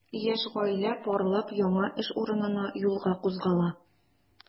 Яшь гаилә парлап яңа эш урынына юлга кузгала.